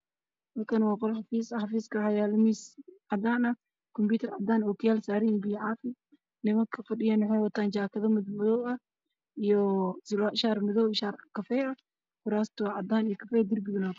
meeshaaan waxaa ka muuqdo nini wato suud baluug ah waxaa horyaalo laabtoob cadaan ah